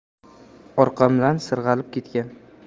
orqamdan sirg'alib ketgan